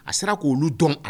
A sera k' olu dɔn